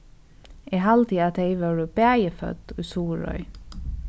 eg haldi at tey vórðu bæði fødd í suðuroy